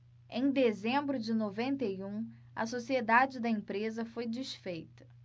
em dezembro de noventa e um a sociedade da empresa foi desfeita